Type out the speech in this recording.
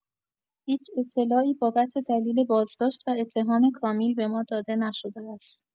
هیچ اطلاعی بابت دلیل بازداشت و اتهام کامیل به ما داده نشده است.